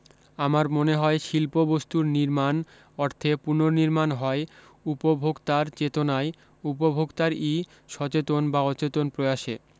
আমার মনে হয় শিল্পবস্তুর নির্মাণ অর্থে পুনর্নির্মাণ হয় উপভোক্তার চেতনায় উপভোক্তার ই সচেতন বা অচেতন প্রয়াসে